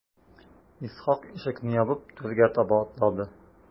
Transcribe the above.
Исхак ишекне ябып түргә таба атлады.